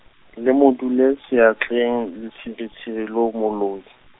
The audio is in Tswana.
le mo dule, seatleng letsiritsiri loo moloi.